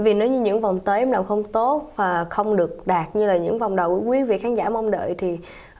vì nếu như những vòng tới em làm không tốt và không được đạt như là những vòng đầu quý vị khán giả mong đợi thì